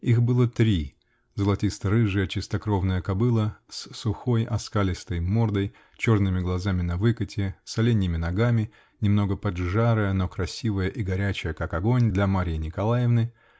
Их было три: золоисто -рыжая чистокровная кобыла с сухой, оскалистой мордой, черными глазами навыкате, с оленьими ногами, немного поджарая, но красивая и горячая как огонь -- для Марьи Николаевны